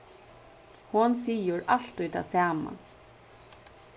hon sigur altíð tað sama